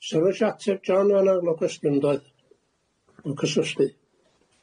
'S'na rywun isio ateb John, oedd ganddo fo gwesitwn 'doedd? Yn cysylltu.